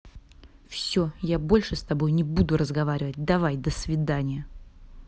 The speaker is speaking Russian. все я больше с тобой не буду разговаривать давай до свидания